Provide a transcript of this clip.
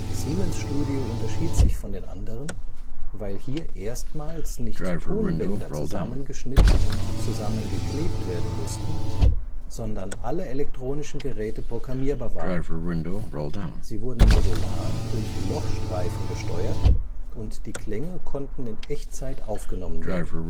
Siemens-Studio unterschied sich von den anderen, weil hier erstmals nicht Tonbänder zusammengeschnitten und - geklebt werden mussten, sondern alle elektronischen Geräte programmierbar waren. Sie wurden modular durch Lochstreifen gesteuert und die Klänge konnten in Echtzeit aufgenommen werden